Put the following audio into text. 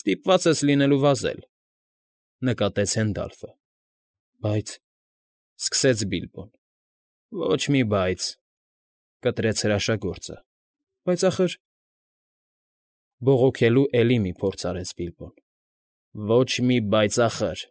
Ստիպված ես լինելու վազել, ֊ նկատեց Հենդալֆը։ ֊ Բայց …֊ սկսեց Բիլբոն։ ֊ Ոչ մի «բայց», ֊ կտրեց հրաշագործը։ ֊ Բայց ախր…֊ բողոքելու էլի մի փորձ արեց Բիլբոն։ ֊ Ոչ մի «բայց ախր»։